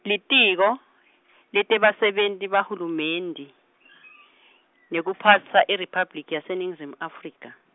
Litiko, leTebasebenti baHulumende, nekuphatsa, IRiphabliki yeNingizimu Afrika.